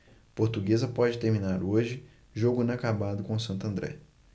portuguesa pode terminar hoje jogo inacabado com o santo andré